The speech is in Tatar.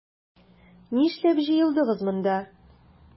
Нишләп җыелдыгыз монда?